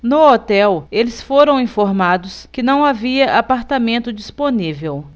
no hotel eles foram informados que não havia apartamento disponível